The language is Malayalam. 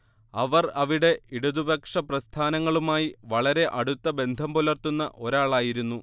അവർ അവിടെ ഇടതുപക്ഷപ്രസ്ഥാനങ്ങളുമായി വളരെ അടുത്ത ബന്ധം പുലർത്തുന്ന ഒരാളായിരുന്നു